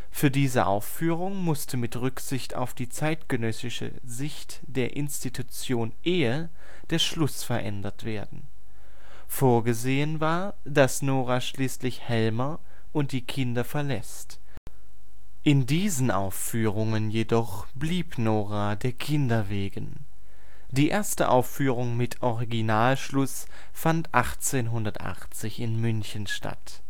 Für diese Aufführungen musste mit Rücksicht auf die zeitgenössische Sicht der Institution Ehe der Schluss verändert werden. Vorgesehen war, dass Nora schließlich Helmer und die Kinder verlässt. In diesen Aufführungen jedoch blieb Nora der Kinder wegen. Die erste Aufführung mit Ibsens Schluss fand 1880 in München statt